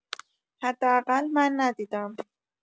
حداقل من ندیدم